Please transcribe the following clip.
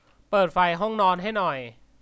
เปิดไฟห้องนอนให้หน่อย